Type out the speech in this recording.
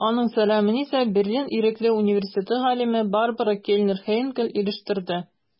Аның сәламен исә Берлин Ирекле университеты галиме Барбара Кельнер-Хейнкель ирештерде.